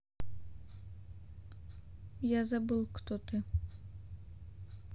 я забыл кто ты